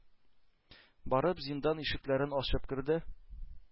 Барып зиндан ишекләрен ачып керде,